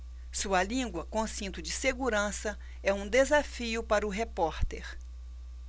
sua língua com cinto de segurança é um desafio para o repórter